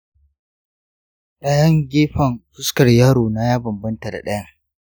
ɗayan gefen fuskar yaro na ya bambanta da ɗayan.